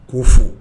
Ko fo